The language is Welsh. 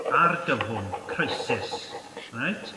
argyfwng crisis reit.